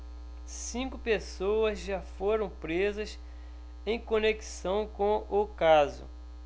cinco pessoas já foram presas em conexão com o caso